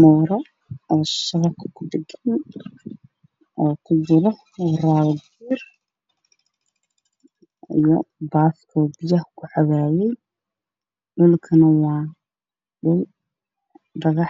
Waa meel qashin waxaa dhex taagan waraabe midabkiisu